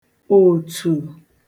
òtù